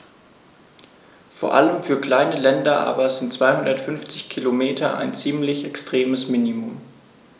Vor allem für kleine Länder aber sind 250 Kilometer ein ziemlich extremes Minimum.